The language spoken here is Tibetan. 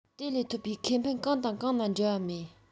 དེ ལས ཐོབ པའི ཁེ ཕན གང དང གང ལ འབྲེལ བ མེད